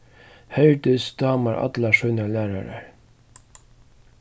herdis dámar allar sínar lærarar